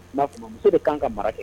Na fɔ muso de kan ka mara kɛ.